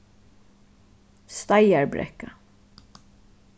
steigarbrekka